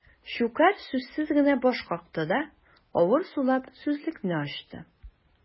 Щукарь сүзсез генә баш какты да, авыр сулап сүзлекне ачты.